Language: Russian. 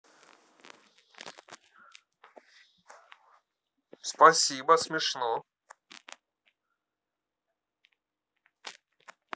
спасибо смешно